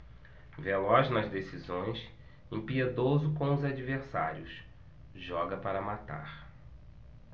veloz nas decisões impiedoso com os adversários joga para matar